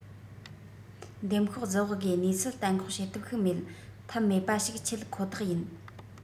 འདེམས ཤོག རྫུ བག སྒོས གནས ཚུལ གཏན འགོག བྱེད ཐབས ཤིག མེད ཐབས མེད པ ཞིག ཆེད ཁོ ཐག ཡིན